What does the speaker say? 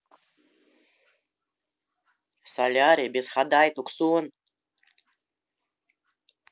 солярий без ходай туксон